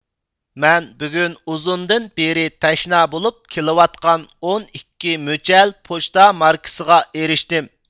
مەن بۈگۈن ئۇزۇندىن بېرى تەشنا بولۇپ كېلىۋاتقان ئون ئىككى مۈچەل پوچتا ماركىسىغا ئېرىشتىم